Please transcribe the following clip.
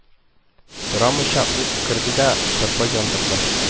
Сорамыйча ук керде дә шырпы яндырды